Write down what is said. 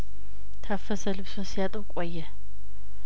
ታፈሰ ልብሱን ሲያጥብ ቆየ